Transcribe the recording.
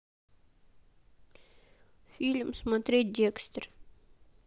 фильм смотреть декстер